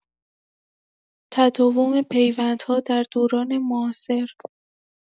تداوم پیوندها در دوران معاصر